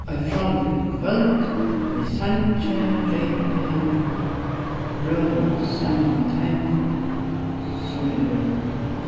eitt frálíkt kvøld við sangi reypi og røðum saman við teimum sum eru